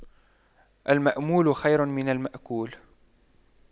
المأمول خير من المأكول